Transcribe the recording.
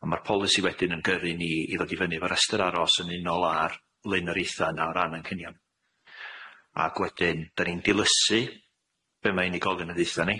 A ma'r polisi wedyn yn gyrru ni i ddod i fyny efo restr aros yn unol a'r blaenoritha yna o ran anghenion ag wedyn dyn ni'n dilysu be' ma' unigol yn ddeutha ni.